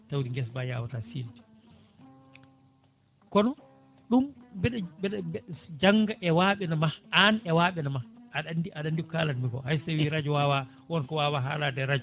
tawde guesa mba yawata filde kono ɗum mbeɗa mbeɗa jangga e waɓe noma an e waɓe no ma aɗa andi aɗa andi ko kalanmi ko hay so tawi radio wawa wonko wawa halade e radio